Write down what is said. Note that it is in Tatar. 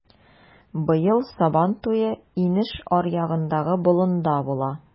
Быел Сабантуе инеш аръягындагы болында була.